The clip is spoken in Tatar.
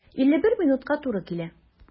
51 минутка туры килә.